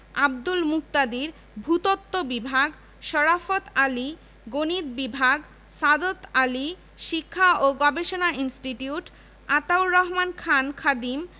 ফলে বিশ্ববিদ্যালয়টি শিক্ষা ও অধিভূক্তিকরণ এফিলিয়েটিং প্রতিষ্ঠানে পরিণত হয় এ গুরুদায়িত্বের ফলে পরবর্তীকালে বিশ্ববিদ্যালয় প্রশাসনে ব্যাপক সম্প্রসারণ ঘটতে থাকে